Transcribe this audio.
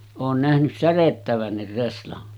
olen nähnyt särjettävänkin reslan